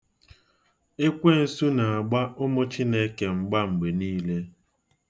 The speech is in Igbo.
Ekwensu na-agba ụmụ Chineke mgba mgbe niile.